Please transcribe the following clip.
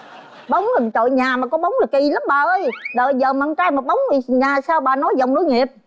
bóng trời ơi nhà mà có bóng là kì lắm bà ơi trời ơi giờ mà con trai bóng nhà sao bà nối dòng nối nghiệp